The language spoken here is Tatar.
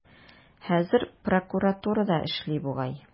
Хәзер прокуратурада эшли бугай.